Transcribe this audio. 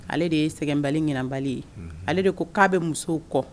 Ale de ye sɛgɛnbali ɲinbali ye ale de ko k'a bɛ musow kɔ